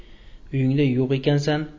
uyingda yo'q ekansan